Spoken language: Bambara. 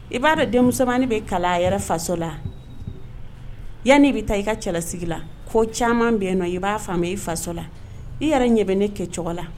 I b'a dɔn denmuso bɛ kalan a yɛrɛ faso la, yanni bɛ taa i ka cɛlasigi la ko caaman bɛ yen nɔ, i b'a kalan i faso la, i yɛrɛ ɲɛ bɛ ne kɛ cogo la.